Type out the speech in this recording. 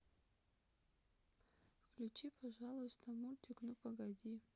включи пожалуйста мультик ну погоди